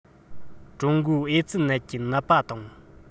ཀྲུང གོའི ཨེ ཙི ནད ཀྱི ནད པ དང པོ